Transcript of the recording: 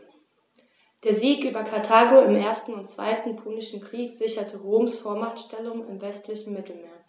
Der Sieg über Karthago im 1. und 2. Punischen Krieg sicherte Roms Vormachtstellung im westlichen Mittelmeer.